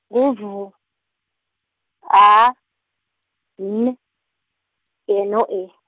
ngu V, A, N, no E.